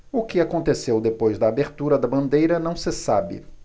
o que aconteceu depois da abertura da bandeira não se sabe